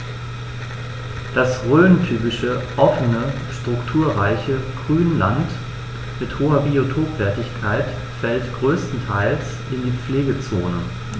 Das rhöntypische offene, strukturreiche Grünland mit hoher Biotopwertigkeit fällt größtenteils in die Pflegezone.